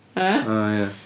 E?